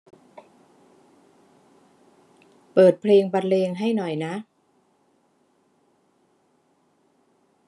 เปิดเพลงบรรเลงให้หน่อยนะ